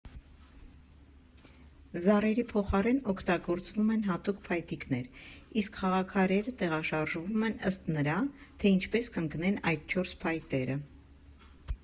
Զառերի փոխարեն օգտագործվում են հատուկ փայտիկներ, իսկ խաղաքարերը տեղաշարժվում են ըստ նրա, թե ինչպես կընկնեն այդ չորս փայտերը։